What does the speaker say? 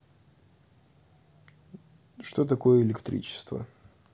что такое электричество